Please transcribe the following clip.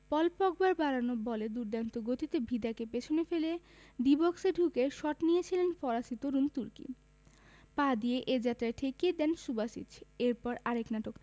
পল পগবার বাড়ানো বলে দুর্দান্ত গতিতে ভিদাকে পেছনে ফেলে ডি বক্সে ঢুকে শট নিয়েছিলেন ফরাসি তরুণ তুর্কি পা দিয়ে এ যাত্রায় ঠেকিয়ে দেন সুবাসিচ এরপর আরেক নাটক